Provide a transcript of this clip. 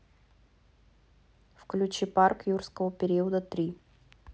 включи парк юрского периода три